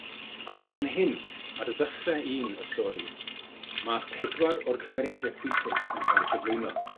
achos fan hyn ar ddechre un y stori ma' pedwar o'r cymeriade pwysig yn ca'l 'u cyflwyno.